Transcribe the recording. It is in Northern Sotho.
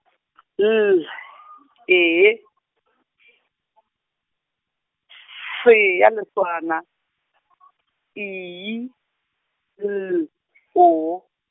L, E, se ya letswana, I, L O.